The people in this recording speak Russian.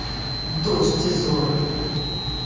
дочь дезорга